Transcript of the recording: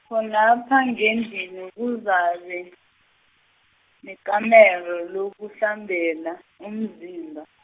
khonapho ngendlini kuzaba, nekamero lokuhlambela, umzimba.